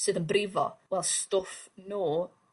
sydd yn brifo, wel stwff nw